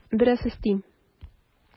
Бераз өстим.